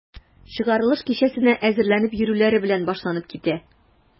Чыгарылыш кичәсенә әзерләнеп йөрүләре белән башланып китә.